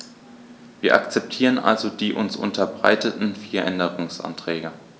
Wir akzeptieren also die uns unterbreiteten vier Änderungsanträge.